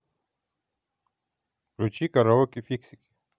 включи караоке фиксики